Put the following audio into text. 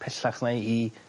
pellach 'na i